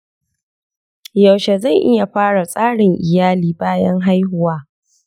yaushe zan iya fara tsarin iyali bayan haihuwa?